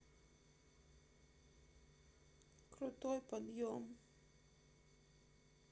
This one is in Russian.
крутой подъем